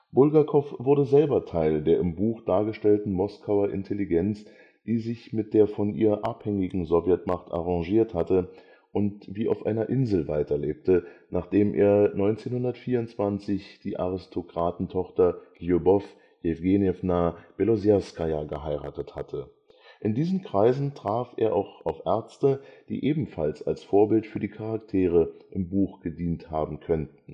Bulgakow wurde selber Teil der im Buch dargestellten Moskauer Intelligenz, die sich mit der von ihr abhängigen Sowjetmacht arrangiert hatte und wie auf einer Insel weiterlebte, nachdem er 1924 die Aristokratentocher Ljubow Jewgenjewna Beloserskaja geheiratet hatte. In diesen Kreisen traf er auch auf Ärzte, die ebenfalls als Vorbild für die Charaktere im Buch gedient haben könnten